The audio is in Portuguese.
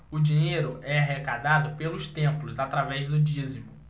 o dinheiro é arrecadado pelos templos através do dízimo